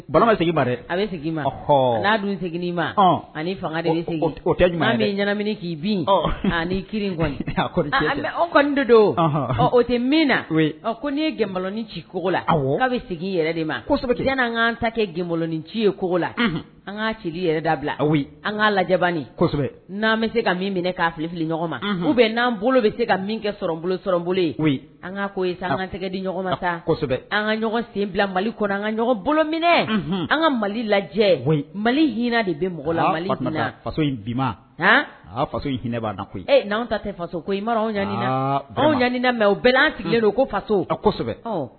Bara bɛ segin ma n'a dun segin ma ani an bɛ ɲɛnamina k bin ani ki kɔni de don o tɛ min na ne yein ci koko la aw bɛ segin i yɛrɛ de masɛbɛ n' an kaan ta kɛkolonin ci ye kogo la an ka sigi yɛrɛ da bila an ka lajɛbansɛbɛ n'an bɛ se ka min minɛ k'a filifi ɲɔgɔn ma u bɛ n'an bolo bɛ se ka min kɛ n n koyi an ka ko an sɛgɛ di ɲɔgɔn masɛbɛ an ka ɲɔgɔn sen mali ko an ka ɲɔgɔn bolo minɛ an ka mali lajɛ mali h hinɛina de bɛ mɔgɔ la hinɛ' e n'an ta tɛ faso ko i anw ɲaniina anw ɲaniina mɛ u bɛ an tigɛ don ko faso